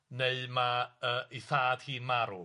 Neu ma' yy 'i thad hi'n marw.